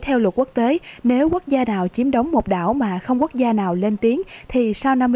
theo luật quốc tế nếu quốc gia đầu chiếm đóng một đảo mà không quốc gia nào lên tiếng thì sau năm